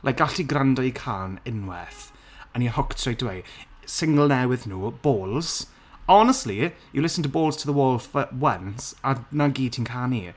like gall di gwrando i cân unwaith a ni'n hooked straight away, single newydd nhw, Balls honestly, you listen to Balls to the Wall f- once, a na gyd ti'n canu.